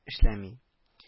Эшләми